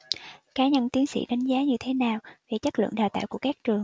cá nhân tiến sĩ đánh giá như thế nào về chất lượng đào tạo của các trường